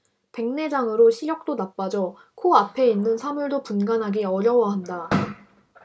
백내장으로 시력도 나빠져 코 앞에 있는 사물도 분간하기 어려워한다